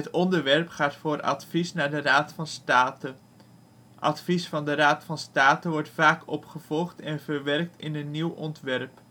ontwerp gaat voor advies naar de Raad van State. Advies van de Raad van State wordt vaak opgevolgd en verwerkt in het ontwerp